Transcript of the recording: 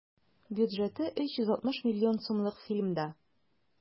Бюджеты 360 миллион сумлык фильмда.